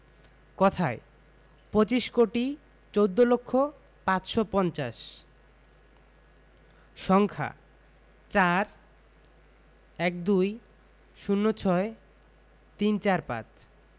কথায়ঃ পঁচিশ কোটি চৌদ্দ লক্ষ পাঁচশো পঞ্চাশ সংখ্যাঃ ৪ ১২ ০৬ ৩৪৫